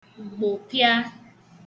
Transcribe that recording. gbụ̀pịa